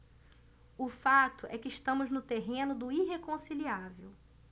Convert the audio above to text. o fato é que estamos no terreno do irreconciliável